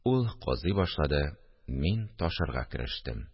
Ул казый башлады, мин ташырга керештем